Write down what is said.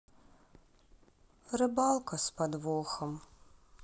рыбалка с подвохом